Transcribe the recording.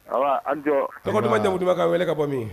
Ayiwa an jɔ tɔgɔjɛkuba ka wele ka bɔ min